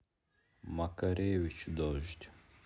макаревич дождь